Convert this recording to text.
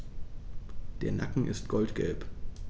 Der Nacken ist goldgelb.